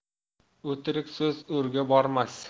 o'tirik so'z o'rga bormas